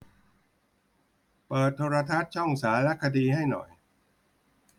เปิดโทรทัศน์ช่องสารคดีให้หน่อย